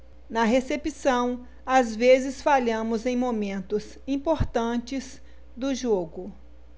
na recepção às vezes falhamos em momentos importantes do jogo